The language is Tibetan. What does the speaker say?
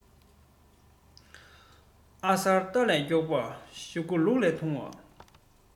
ཨ གསར རྟ ལས མགྱོགས པ ཞུ གུ ལུག ལས ཐུང བ